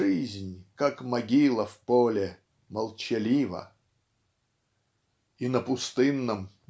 Жизнь, как могила в поле, молчалива. И "на пустынном